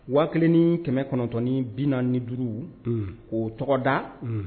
Wa kelen ni kɛmɛ kɔnɔn9ɔnin bi ni duuru k'o tɔgɔ da